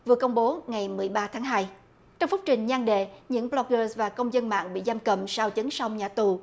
vừa công bố ngày mười ba tháng hai trong phúc trình nhan đề những bờ lóc gơ và công dân mạng bị giam cầm sau chấn song nhà tù